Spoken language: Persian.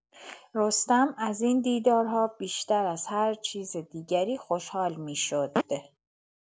رستم از این دیدارها بیشتر از هر چیز دیگری خوشحال می‌شد.